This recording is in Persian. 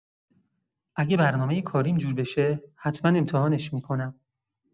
اگه برنامه کاریم جور بشه، حتما امتحانش می‌کنم.